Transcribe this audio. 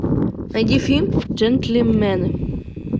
найди фильм джентльмены